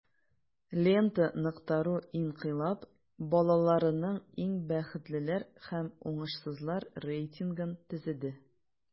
"лента.ру" инкыйлаб балаларының иң бәхетлеләр һәм уңышсызлар рейтингын төзеде.